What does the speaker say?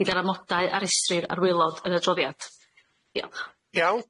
gyda'r amodau a restrir ar wylod yn y droddiad.